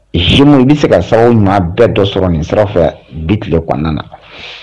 Z i bɛ se ka sababu ɲuman bɛɛ dɔ sɔrɔ nin sira fɛ bi tile kɔnɔna na